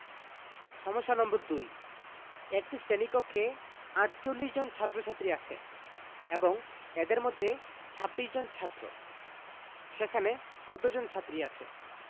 সমস্যা নম্বর ২ একটি শ্রেণি কক্ষে ৪৮ জন ছাত্ৰ-ছাত্ৰী আছে এবং এদের মধ্যে ২৬ জন ছাত্র সেখানে কতজন ছাত্রী আছে